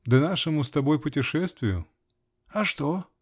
-- Да нашему с тобой путешествию. -- А что?